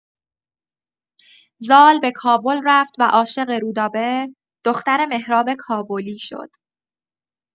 زال به کابل رفت و عاشق رودابه، دختر مهراب کابلی، شد.